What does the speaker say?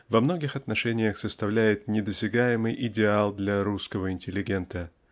во многих отношениях составляет недосягаемый идеал для русского интеллигента.